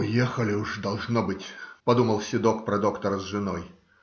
"Уехали уж, должно быть, - подумал седок про доктора с женой.